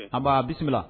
A bisimila